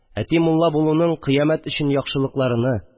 Әти мулла булуның кыямәт өчен яхшылыкларыны